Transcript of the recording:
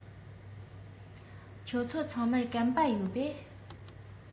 ཁྱེད ཚོ ཚང མར སྐམ པ ཡོད པས